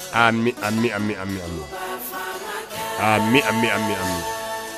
An bi an bɛ ami mianmu aa bi an bɛ an mi anmu